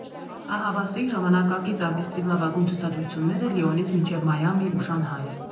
Ահավասիկ՝ ժամանակակից արվեստի լավագույն ցուցադրությունները Լիոնից մինչև Մայամի ու Շանհայ։